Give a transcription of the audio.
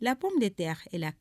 Lakun de tɛ e la